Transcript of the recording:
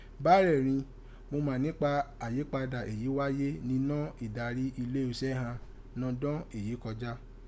Bárẹ̀ rin, mo mà nípa àyípadà èyí wáyé nínọ́ ìdarí iléuṣẹ́ ghan nọ́dọ́n èyí kọjá.